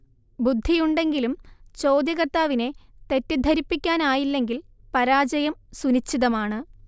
ബുദ്ധിയുണ്ടെങ്കിലും ചോദ്യകർത്താവിനെ തെറ്റിദ്ധരിപ്പിക്കാനായില്ലെങ്കിൽ പരാജയം സുനിശ്ചിതമാണ്